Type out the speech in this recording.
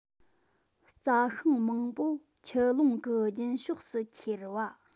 རྩྭ ཤིང མང པོ ཆུ ཀླུང གི རྒྱུན ཕྱོགས སུ ཁྱེར བ